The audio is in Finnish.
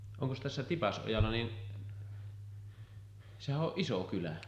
onkos tässä Tipasojalla niin sehän on iso kylä